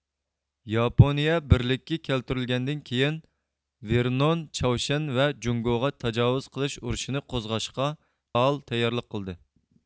ياپونىيە بىرلىككە كەلتۈرۈلگەندىن كېيىن ۋېرنون چاۋشيەن ۋە جۇڭگوغا تاجاۋۇز قىلىش ئۇرۇشىنى قوزغاشقا پائال تەييارلىق قىلدى